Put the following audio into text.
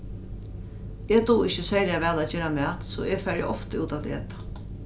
eg dugi ikki serliga væl at gera mat so eg fari ofta út at eta